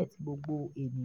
gbogbo ènìyàn ní.